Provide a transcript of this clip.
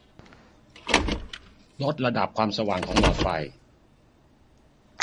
ลดระดับความสว่างของหลอดไฟ